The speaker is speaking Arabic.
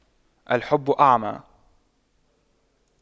الحب أعمى